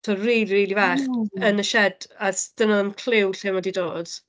Timod, rili, rili fach... Ww! ...yn y sied a 'sda nhw ddim cliw lle ma' 'di dod.